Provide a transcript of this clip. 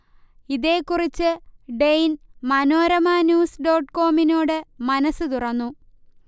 ഇതേക്കുറിച്ച് ഡെയ്ൻ മനോരമ ന്യൂസ് ഡോട്ട്കോമിനോട് മനസ് തുറന്നു